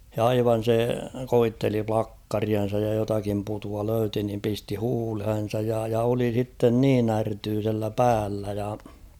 ja aivan se koetteli plakkariansa ja jotakin putua löysi niin pisti huuleensa ja ja oli sitten niin ärtyisellä päällä ja